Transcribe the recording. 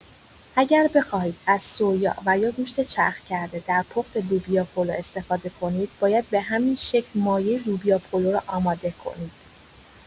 اگر بخواهید از سویا و یا گوشت چرخ کرده در پخت لوبیا پلو استفاده کنید باید به همین شکل مایه لوبیا پلو را آماده کنید.